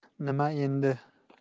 nima endi